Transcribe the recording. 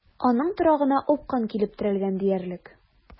Аның торагына упкын килеп терәлгән диярлек.